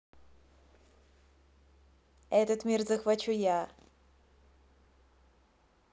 этот мир захвачу я